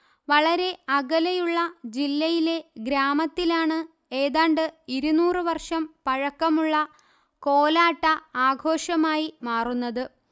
വളരെ അകലെയുള്ള ജില്ലയിലെ ഗ്രാമത്തിലാണ് ഏതാണ്ട് ഇരുന്നൂറ് വർഷം പഴക്കമുള്ള കോലാട്ട ആഘോഷമായി മാറുന്നത്